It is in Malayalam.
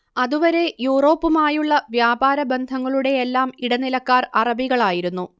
അതുവരെ യൂറോപ്പുമായുളള വ്യാപാര ബന്ധങ്ങളുടെയെല്ലാം ഇടനിലക്കാർ അറബികളായിരുന്നു